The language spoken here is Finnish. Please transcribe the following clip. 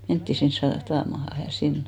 mentiin sinne -- satamaan ja sinne